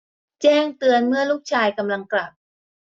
แจ้งเตือนเมื่อลูกชายกำลังกลับ